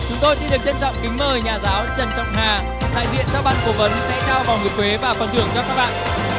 chúng tôi xin trân trọng kính mời nhà giáo trần trọng hà đại diện cho ban cố vấn sẽ trao vòng nguyệt quế và phần thưởng cho các bạn